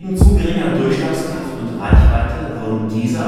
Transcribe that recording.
zu geringer Durchschlagskraft und Reichweite wurden diese